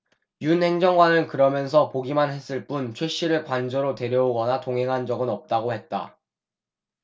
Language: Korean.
윤 행정관은 그러면서 보기만 했을 뿐 최씨를 관저로 데려오거나 동행한 적은 없다고 했다